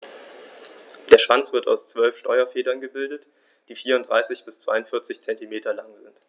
Der Schwanz wird aus 12 Steuerfedern gebildet, die 34 bis 42 cm lang sind.